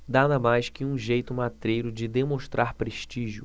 nada mais que um jeito matreiro de demonstrar prestígio